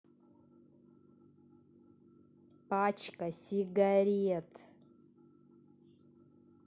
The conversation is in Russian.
пачка сигарет